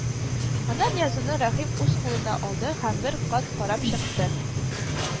Аннан язуны Рәхим үз кулына алды һәм бер кат карап чыкты